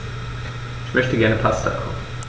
Ich möchte gerne Pasta kochen.